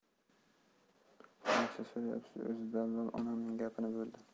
qancha so'rayapsiz o'zi dallol onamning gapini bo'ldi